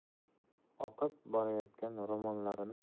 oqib borayotgan ro'mollarini